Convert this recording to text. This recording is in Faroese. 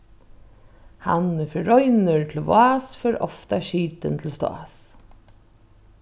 hann ið fer reinur til vás fer ofta skitin til stás